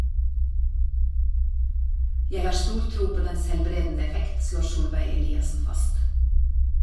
- Jeg har stor tro på dens helbredende effekt, slår Solveig Eliassen fast.